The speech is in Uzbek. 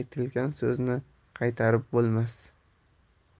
aytilgan so'zni qaytarib bo'lmas